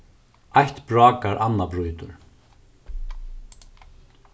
eitt brákar annað brýtur